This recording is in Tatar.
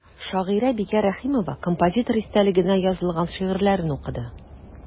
Шагыйрә Бикә Рәхимова композитор истәлегенә язылган шигырьләрен укыды.